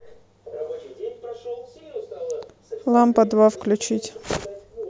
лампа два включить